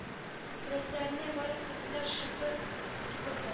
Келәтләренә барып керделәр шырпы сыздылар